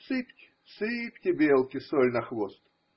Сыпьте, сыпьте белке соль на хвост!